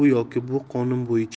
u yoki bu qonun bo'yicha